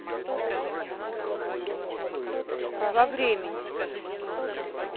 во времени